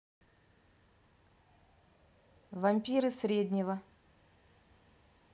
вампиры среднего